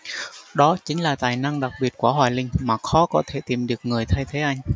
đó chính là tài năng đặc biệt của hoài linh mà khó có thể tìm được người thay thế anh